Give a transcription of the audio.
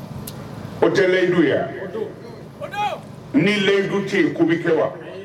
O tɛ layidu ye wa? Ni layidu tɛ yen ko b'i kɛ wa? Ayi.